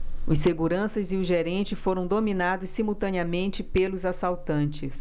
os seguranças e o gerente foram dominados simultaneamente pelos assaltantes